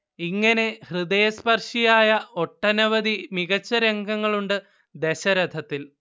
ഇങ്ങനെ ഹൃദയസ്പർശിയായ ഒട്ടനവധി മികച്ച രംഗങ്ങളുണ്ട് ദശരഥത്തിൽ